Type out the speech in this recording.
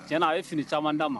Tiɲɛɲɛna a ye fini caman d'a ma